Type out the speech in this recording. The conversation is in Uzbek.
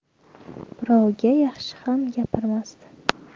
birovga yaxshi ham gapirmasdi